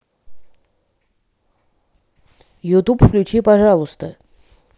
ютуб включи пожалуйста